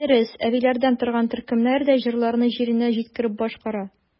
Дөрес, әбиләрдән торган төркемнәр дә җырларны җиренә җиткереп башкара.